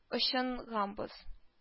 Очынганбыз